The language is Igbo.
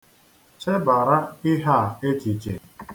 Chebara ihe a echiche.